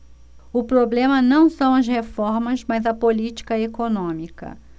o problema não são as reformas mas a política econômica